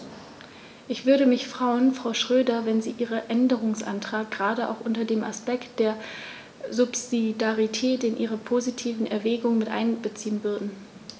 Ich würde mich freuen, Frau Schroedter, wenn Sie diesen Änderungsantrag gerade auch unter dem Aspekt der Subsidiarität in Ihre positiven Erwägungen mit einbeziehen würden.